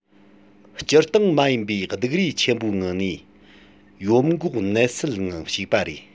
སྤྱིར བཏང མ ཡིན པའི སྡུག རུས ཆེན པོའི ངང ནས ཡོམ འགོག གནོད སེལ ནང ཞུགས པ རེད